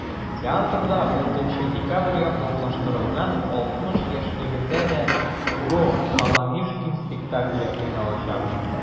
Театрда 6 декабрьгә планлаштырылган 60 яшьлегендә дә “Gо!Баламишкин" спектакле уйналачак.